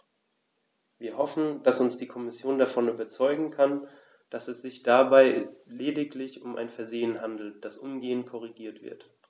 Wir hoffen, dass uns die Kommission davon überzeugen kann, dass es sich dabei lediglich um ein Versehen handelt, das umgehend korrigiert wird.